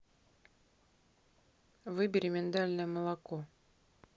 выбери миндальное молоко